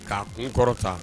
K'a kun kɔrɔta